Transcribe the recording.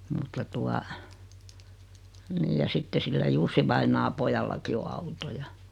mutta tuota niin ja sitten sillä Jussi-vainajan pojallakin on auto ja